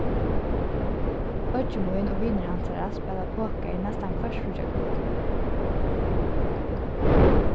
beiggi mín og vinir hansara spæla poker næstan hvørt fríggjakvøld